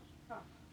Haapavedelle